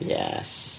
Yes.